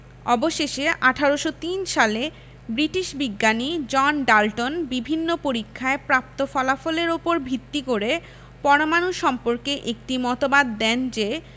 অবশেষে ১৮০৩ সালে ব্রিটিশ বিজ্ঞানী জন ডাল্টন বিভিন্ন পরীক্ষায় প্রাপ্ত ফলাফলের উপর ভিত্তি করে পরমাণু সম্পর্কে একটি মতবাদ দেন যে